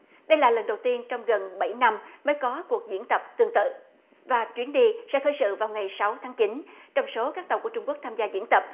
đây là lần đầu tiên trong gần bảy năm mới có cuộc diễn tập tương tự và chuyến đi sẽ khởi sự vào ngày sáu tháng chín trong số các tàu của trung quốc tham gia diễn tập